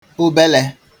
obele